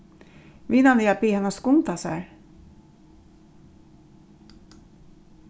vinarliga bið hana skunda sær